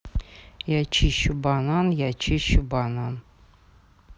я чищу банан я чищу банан